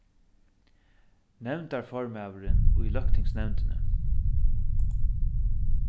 nevndarformaðurin í løgtingsnevndini